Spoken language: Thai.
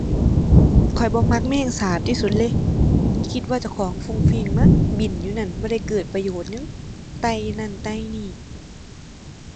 ข้อยบ่มักแมลงสาบที่สุดเลย คิดว่าเจ้าของฟรุ้งฟริ้งมั้ง บินอยู่นั่น บ่ได้เกิดประโยชน์หยัง ไต่นั่นไต่นี่